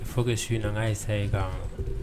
Fo ka suinakan ye sayayi kan ma